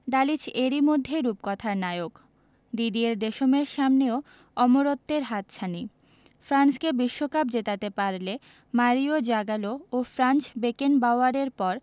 Dalic এরই মধ্যে রূপকথার নায়ক দিদিয়ের দেশমের সামনেও অমরত্বের হাতছানি ফ্রান্সকে বিশ্বকাপ জেতাতে পারলে মারিও জাগালো ও ফ্রাঞ্জ বেকেনবাওয়ারের পর